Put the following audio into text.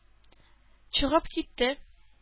Чыгып китте